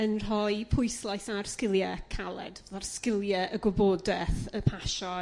yn rhoi pwyslais a'r sgilie caled ar sgilie y gwybod'eth y pasio